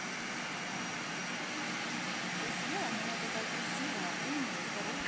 я съела ну она такая красивая умная здоровая